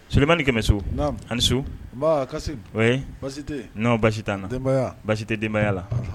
Solilima ni kɛmɛ so ani so basi n'aw basi' na basi tɛ denbayaya la